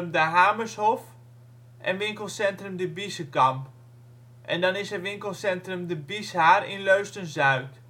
de Hamershof Winkelcentrum de Biezenkamp Winkelcentrum de Bieshaar (in Leusden-Zuid